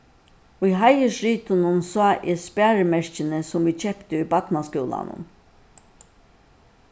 í heiðursritinum sá eg sparimerkini sum vit keyptu í barnaskúlanum